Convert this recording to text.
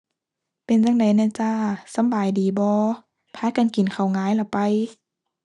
เป็นจั่งใดแหน่จ้า สำบายดีบ่ พากันกินข้าวงายละไป